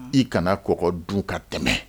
I kana kɔɔgɔ dun ka tɛmɛ